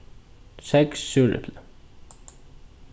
seks súrepli